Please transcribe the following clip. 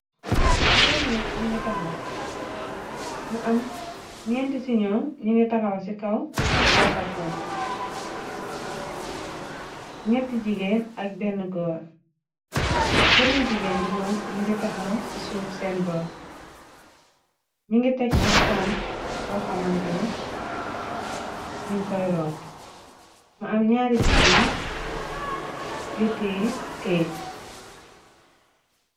Juróo minit nu taxaw , mu am ñeenti ci ñoom ñi ngi taxaw ci kaw lokal phom, ñetti jigeen ak bena goor, bena jigéen bi moom mi ngi taxaw ci suuf seen bor ñi ngi teg nak pann bo xamantane ñu koy ruut, mu am ñaari jigéen yu tee kayte.